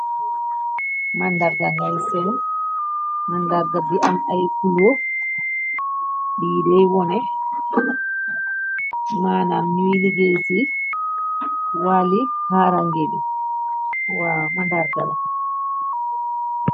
màndarga ngay seen, mandarga bi am ay kulo, biidéy wone, maanam ñuy liggéey ci wali kaarange bi, wamandargala.